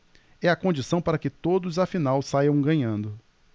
é a condição para que todos afinal saiam ganhando